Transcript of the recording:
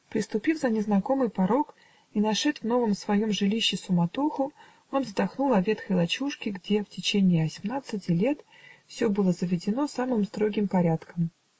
Переступив за незнакомый порог и нашед в новом своем жилище суматоху, он вздохнул о ветхой лачужке, где в течение осьмнадцати лет все было заведено самым строгим порядком